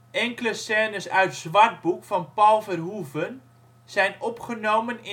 Enkele scènes uit Zwartboek van Paul Verhoeven zijn opgenomen